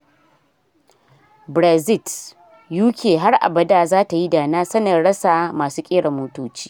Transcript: Brexit: UK ‘har abada zata yi da na sanin’ rasa masu kera motoci